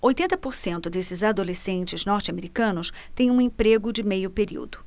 oitenta por cento desses adolescentes norte-americanos têm um emprego de meio período